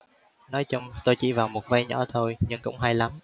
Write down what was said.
nói chung tôi chỉ vào một vai nhỏ thôi nhưng cũng hay lắm